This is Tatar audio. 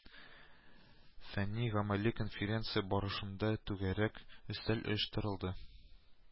Фәнни-гамәли конференция барышында түгәрәк өстәл оештырылды